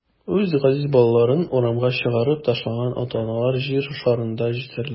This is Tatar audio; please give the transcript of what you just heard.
Үз газиз балаларын урамга чыгарып ташлаган ата-аналар җир шарында җитәрлек.